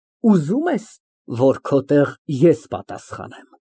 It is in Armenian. Ուզո՞ւմ ես, որ քո տեղ ես պատասխանեմ։